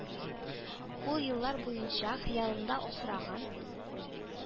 Ул еллар буенча хыялында асраган